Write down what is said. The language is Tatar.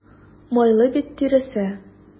Майлы бит тиресе.